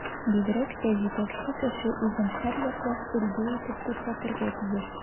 Бигрәк тә җитәкче кеше үзен һәрьяклап өлге итеп күрсәтергә тиеш.